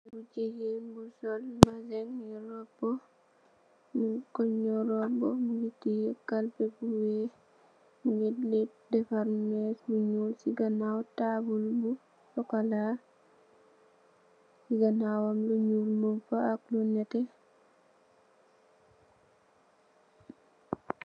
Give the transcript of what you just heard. Haleh bu gigain bu sol mbazin nii rohbu, munkoh njaw rohba, mungy tiyeh kalpeh bu wekh, mungy leh defarr meeche bu njull, cii ganaw taabul bu chocolat, cii ganawam lu njull mung fa ak lu nehteh.